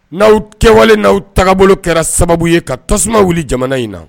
N'aw kɛwale n'aw tabolo kɛra sababu ye ka tasuma wuli jamana in na